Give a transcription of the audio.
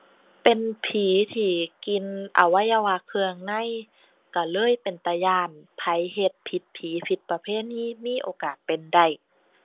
เป็นผีที่กินอวัยวะเครื่องใน ก็เลยเป็นตาย้าน ไผเฮ็ดผิดผี ผิดประเพณี มีโอกาสเป็นได้